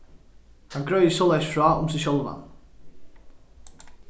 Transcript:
hann greiðir soleiðis frá um seg sjálvan